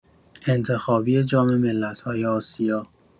انتخابی جام ملت‌های آسیا